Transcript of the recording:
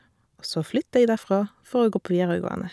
Og så flytta jeg derfra for å gå på videregående.